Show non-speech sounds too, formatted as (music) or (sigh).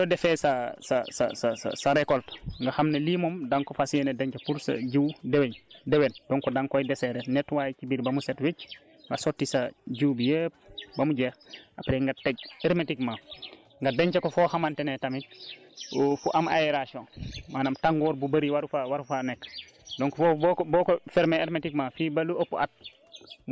wala bidons yu mel nii yi nga xamante ne day fermer wu hermétiquement saa yoo defee sa sa sa sa sa récolte nga xam ne lii moom da nga ko fas yéene denc pour sa jiw déwén déwén donc danga koy deserreé nettoyé ci biir ba mu set wécc nga sotti sa jiw bi yëpp ba mu jeex après nga tëj hermétiquement nga denc ko foo xamante ne tamit (hesitation) fu am aération maanaam tàngoor bu bëri waru faa waru faa nekk